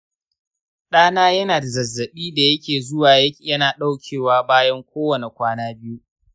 ɗana yana da zazzabi da yake zuwa yana ɗaukewa bayan kowane kwana biyu